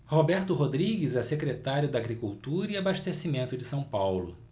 roberto rodrigues é secretário da agricultura e abastecimento de são paulo